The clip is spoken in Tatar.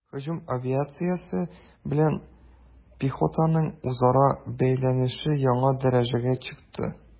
Һөҗүм авиациясе белән пехотаның үзара бәйләнеше яңа дәрәҗәгә чыкты.